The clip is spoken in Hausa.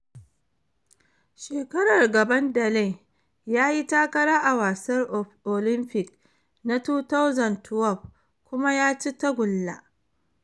Shekarar gaban Daley ya yi takara a wasar Olympics na 2012 kuma ya ci tagulla.